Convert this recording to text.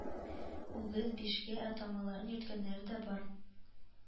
Үгез, Бишкә ә атамаларын йөрткәннәре бар